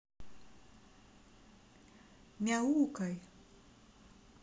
мяукай